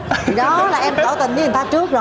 thì đó là em tỏ tình dới người ta trước rồi